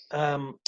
yym